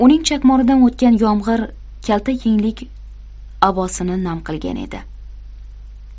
uning chakmonidan o'tgan yomg'ir kalta yenglik abosini nam qilgan edi